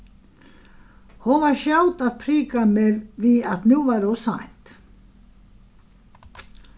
hon var skjót at prika meg við at nú var ov seint